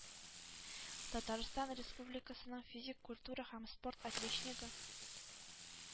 «татарстан республикасының физик культура һәм спорт отличнигы»